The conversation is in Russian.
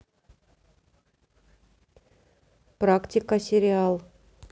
практика сериал